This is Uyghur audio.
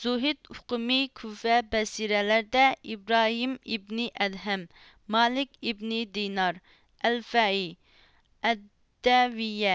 زۇھد ئوقۇمى كۇفە بەسرەلەردە ئىبراھىم ئىبنى ئەدھەم مالىك ئىبنى دىينار ئەلھافىي ئەدەۋىييە